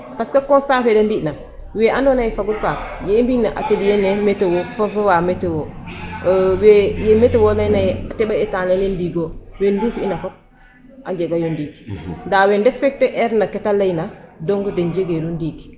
A fi'angaan parce que constat fe da mbi'na we ando fagun faak yee i mbi'na atelier ne météo fo wa météo we méteo layna yee a teƥ a eetaan ale ndiig o we nduuf'ina fop a njegaayo ndiig ndaa we respecter erna ke ta layna donc den njegeeru ndiig .